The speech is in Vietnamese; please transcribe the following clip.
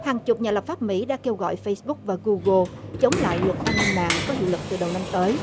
hàng chục nhà lập pháp mỹ đã kêu gọi phây búc và gu gồ chống lại luật an ninh mạng có hiệu lực từ đầu năm tới